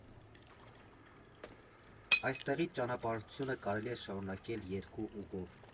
Այստեղից ճանապարհորդությունը կարելի է շարունակել երկու ուղով։